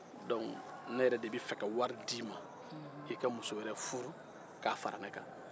donke ne yɛrɛ de bɛ fɛ ka wari d'i ma i ka muso wɛrɛ furu k'a fara ne kan